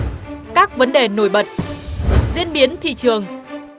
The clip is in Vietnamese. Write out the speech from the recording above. các vấn đề nổi bật diễn biến thị trường